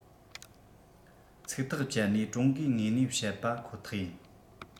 ཚིག ཐག བཅད ནས ཀྲུང གོའི ངོས ནས བཤད ན པ ཁོ ཐག ཡིན